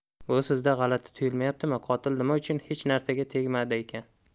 bu sizga g'alati tuyulmayaptimi qotil nima uchun hech narsaga tegmadi ekan